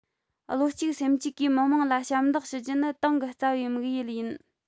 བློ གཅིག སེམས གཅིག གིས མི དམངས ལ ཞབས འདེགས ཞུ རྒྱུ ནི ཏང གི རྩ བའི དམིགས ཡུལ ཡིན